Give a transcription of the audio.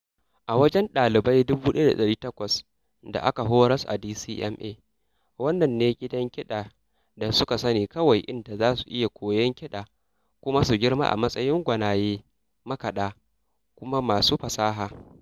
A wajen ɗalibai 1,800 da aka horas a DCMA, wannan ne gidan kiɗan da suka sani kawai, a inda za su iya koyan kiɗa kuma su girma a matsayin gwanaye makaɗa kuma masu fasaha.